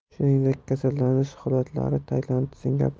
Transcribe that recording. shuningdek kasallanish holatlari tailand singapur